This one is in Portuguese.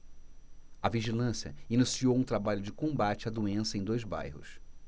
a vigilância iniciou um trabalho de combate à doença em dois bairros